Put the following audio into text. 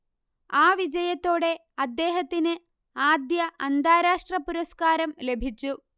ആ വിജയത്തോടെ അദ്ദേഹത്തിന് ആദ്യ അന്താരാഷ്ട്ര പുരസ്കാരം ലഭിച്ചു